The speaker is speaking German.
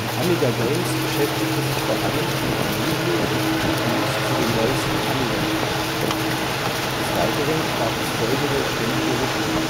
Amiga Games beschäftigte sich vor allem mit den Reviews und Previews zu den neuesten Amiga-Spielen. Des Weiteren gab es folgende Rubriken